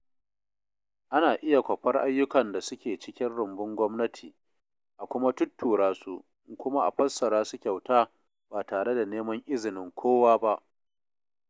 Ana iya kwafar ayyukan da suke cikin rumbun gwamnati, a kuma tuttura su, kuma a fassara su kyauta ba tare da neman izinin kowa ba.